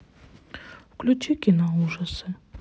включи киноужасы